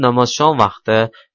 namozshom vaqti